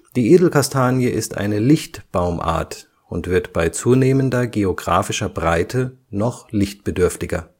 Die Edelkastanie ist eine Lichtbaumart und wird bei zunehmender geographischer Breite noch lichtbedürftiger